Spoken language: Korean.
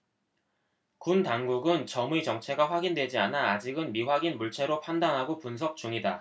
군 당국은 점의 정체가 확인되지 않아 아직은 미확인 물체로 판단하고 분석 중이다